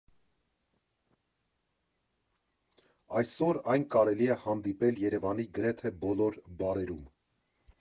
Այսօր այն կարելի է հանդիպել Երևանի գրեթե բոլոր բարերում։